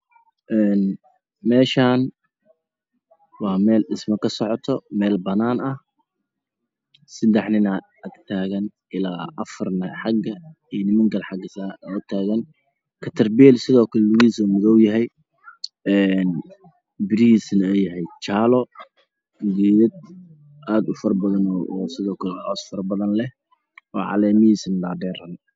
Ee meshaan waa meel dhismo kasocdo waana meel banaan ah sadex ninaa agtaagan afarn xaga nimankale aa taagan katara biil sidookale oo luguhiiso madowyahay een birihiisana ay yihiin jaalo gedad aa furabadan